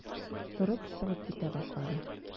Торып чыгып китә башлады.